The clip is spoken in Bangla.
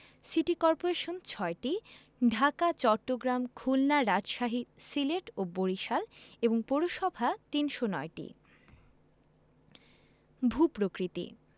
সিটি কর্পোরেশন ৬টি ঢাকা চট্টগ্রাম খুলনা রাজশাহী সিলেট ও বরিশাল পৌরসভা এবং ৩০৯টি ভূ প্রকৃতি